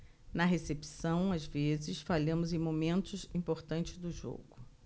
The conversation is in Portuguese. na recepção às vezes falhamos em momentos importantes do jogo